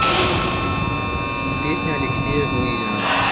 песня алексея глызина